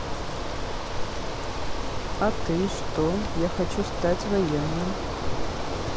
а ты что я хочу стать военным